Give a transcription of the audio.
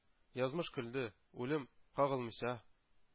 Язмыш көлде, үлем, кагылмыйча,